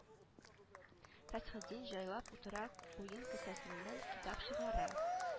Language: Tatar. Фәсхетдин җайлап утыра куен кесәсеннән китап чыгара